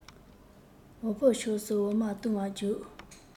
འོ ཕོར ཕྱོགས སུ འོ མ བཏུང བར བརྒྱུགས